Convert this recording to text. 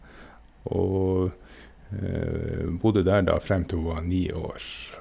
Og bodde der, da, frem til hun var ni år.